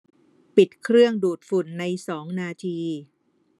ปิดเครื่องดูดฝุ่นในสองนาที